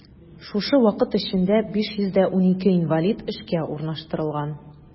Шушы вакыт эчендә 512 инвалид эшкә урнаштырылган.